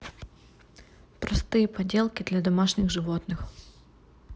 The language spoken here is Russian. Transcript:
простые поделки для домашних животных